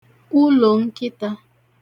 ulònkitā